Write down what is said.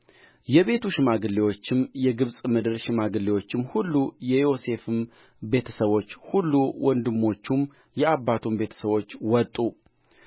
የቤቱ ሽማግሌዎችም የግብፅ ምድር ሽማግሌዎችም ሁሉ የዮሴፍም ቤተ ሰቦች ሁሉ ወንድሞቹም የአባቱም ቤተ ሰቦች ወጡ